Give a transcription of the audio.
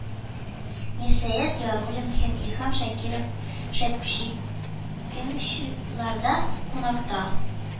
Мирсәет Яруллин һәм Илһам Шакиров щепкинчыларда кунакта